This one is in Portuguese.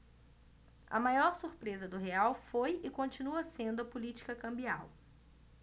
a maior surpresa do real foi e continua sendo a política cambial